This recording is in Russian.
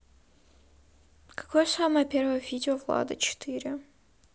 какое самое первое видео влада четыре